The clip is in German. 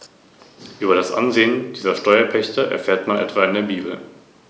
Der Bauch, das Gesicht und die Gliedmaßen sind bei den Stacheligeln mit Fell bedeckt.